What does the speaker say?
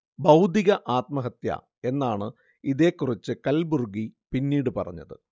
'ബൗദ്ധിക ആത്മഹത്യ' എന്നാണ് ഇതേകുറിച്ച് കൽബുർഗി പിന്നീട് പറഞ്ഞത്